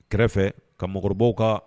Kɛrɛfɛ ka mɔgɔkɔrɔbabaww kan